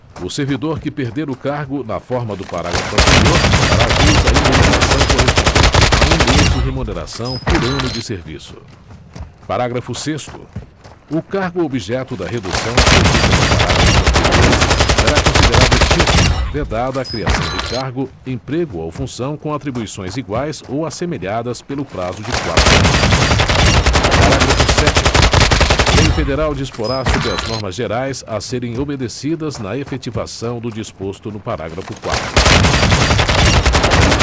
o servidor que perder o cargo na forma do parágrafo anterior fará jus a indenização correspondente a um mês de remuneração por ano de serviço parágrafo sexto o cargo objeto da redução prevista nos parágrafos anteriores será considerado extinto vedada a criação de cargo emprego ou função com atribuições iguais ou assemelhadas pelo prazo de quatro anos parágrafo sétimo lei federal disporá sobre as normas gerais a serem obedecidas na efetivação do disposto no parágrafo quarto